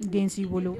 Den' bolo